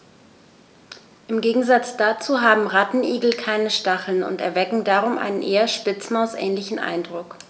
Im Gegensatz dazu haben Rattenigel keine Stacheln und erwecken darum einen eher Spitzmaus-ähnlichen Eindruck.